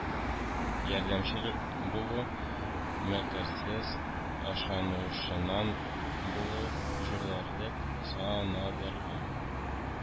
Ярдәмчел булу, мәкәрсез, ышанучан булу җүләрлек саналырга